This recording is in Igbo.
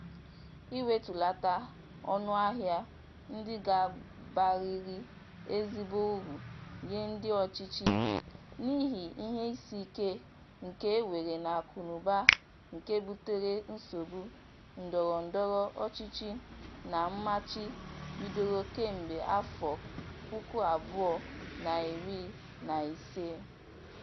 Iwetulata ọnụahịa ndị ga-abarịrị ezigbo uru nye ndị ọchịchị, n'ihi ihe isiike nke e nwere n'akụnụba nke butere nsogbu ndọrọ ndọrọ ọchịchị na mmachi bidoro kemgbe 2015.